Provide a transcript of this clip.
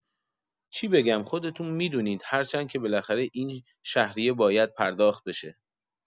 چی بگم خودتون می‌دونید هرچند که بلاخره این شهریه باید پرداخت بشه